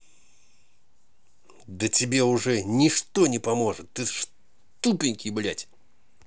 да тебе уже ничто не поможет ты же тупенький блядь